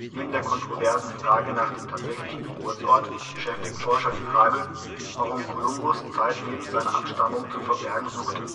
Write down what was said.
Neben der kontroversen Frage nach dem tatsächlichen Geburtsort beschäftigt Forscher die Frage, warum Kolumbus zeitlebens seine Abstammung zu verbergen suchte